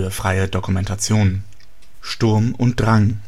freie Dokumentation. Sturm und Drang